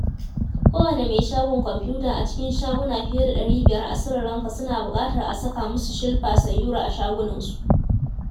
Kowane mai shagon kwamfuta a cikin shaguna fiye da 500 a Sri Lanka suna buƙatar a saka musu Shilpa Sayura a shagunansu.